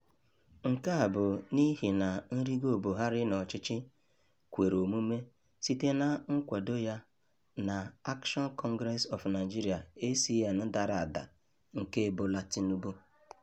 Nke a bụ n'ihi na nrịgo Buhari n'ọchịchị kwere omume site na nkwado ya na Action Congress of Nigeria (ACN) dara ada nke Bola Tinubu.